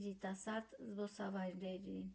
երիտասարդ զբոսավարներին։